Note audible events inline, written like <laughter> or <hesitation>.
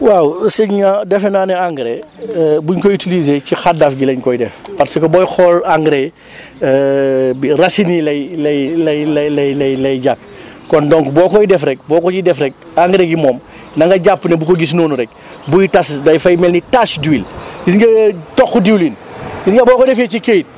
waaw sën <hesitation> defenaa ne engrais <hesitation> bu ñu ko utiliser ci xaddaaf gi lañ koy def parce que booy xool engrasi <breath> <hesitation> racine yi lay lay lay lay lay lay lay jàpp kon donc boo koy def rek boo ko ciy def rek engrais ji moom na nga jàpp ne bu ko gis noonu rek <breath> buy tas adafy mel ni tache d' huile gis nga toq diwlin <noise> gis nga boo ko defee ci këyit